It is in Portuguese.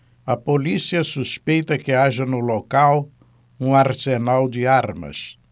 a polícia suspeita que haja no local um arsenal de armas